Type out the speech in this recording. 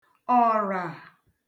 ọ̀rà